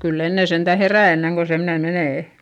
kyllä ennen sentään herää ennen kuin semmoinen menee